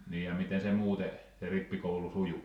niin ja miten se muuten se rippikoulu sujui